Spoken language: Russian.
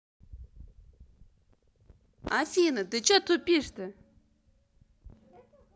афина ты че тупишь то